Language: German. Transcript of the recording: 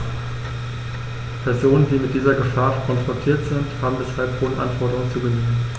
Personen, die mit dieser Gefahr konfrontiert sind, haben deshalb hohen Anforderungen zu genügen.